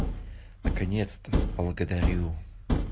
наконец то благодарю